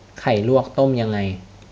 ไข่ลวกต้มยังไง